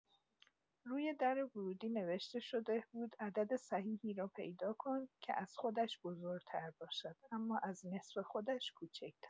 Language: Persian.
روی در ورودی نوشته شده بود: «عدد صحیحی را پیدا کن که از خودش بزرگ‌تر باشد اما از نصف خودش کوچک‌تر!»